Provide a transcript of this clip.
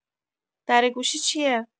درگوشی چیه؟